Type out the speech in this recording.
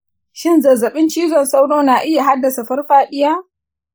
shin zazzaɓin cizon sauro na iya haddasa farfaɗiya